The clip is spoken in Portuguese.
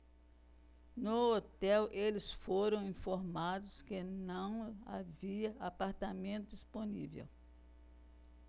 no hotel eles foram informados que não havia apartamento disponível